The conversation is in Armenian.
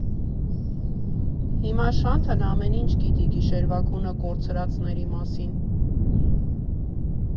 Հիմա Շանթն ամեն ինչ գիտի գիշերվա քունը կորցրածների մասին։